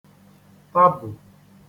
tabù